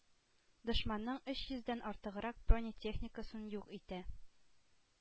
Дошманның өч йөздән артыграк бронетехникасын юк итә.